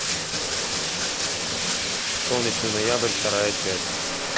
солнечный ноябрь вторая часть